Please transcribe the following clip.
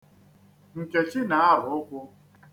Nkechi na-arụ ụkwụ.